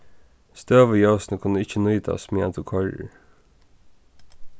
støðuljósini kunnu ikki nýtast meðan tú koyrir